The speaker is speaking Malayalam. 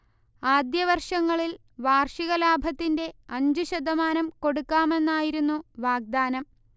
ആദ്യവർഷങ്ങളിൽ വാർഷിക ലാഭത്തിന്റെ അഞ്ചു ശതമാനം കൊടുക്കാമെന്നായിരുന്നു വാഗ്ദാനം